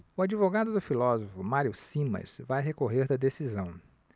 o advogado do filósofo mário simas vai recorrer da decisão